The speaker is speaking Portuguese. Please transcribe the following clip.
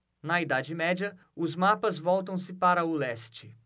na idade média os mapas voltam-se para o leste